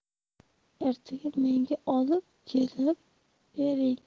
ertaga menga olib kelib bering